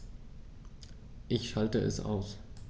Ich schalte es aus.